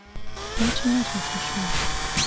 очень очень смешной